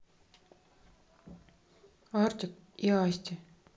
артик и асти